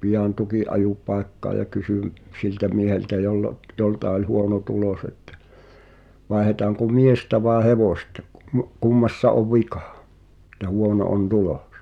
pian tukinajopaikkaan ja kysyi - siltä mieheltä jolla - jolta oli huono tulos että vaihdetaanko miestä vai hevosta - kummassa on vika että huono on tulos